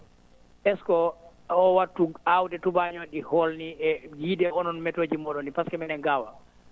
est ce que oo wattu aawde tubaañoo ɗi hoolnii e yiide onon météo ji mooɗon ɗii pasque minen gaawa